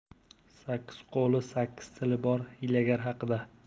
sakkiz qo'li sakkiz tili bor hiylagar haqida